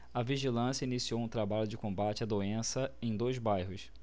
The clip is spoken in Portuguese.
a vigilância iniciou um trabalho de combate à doença em dois bairros